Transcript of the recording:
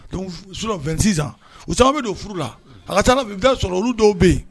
Sisan u sababu don furu la a ka sɔrɔ olu dɔw bɛ yen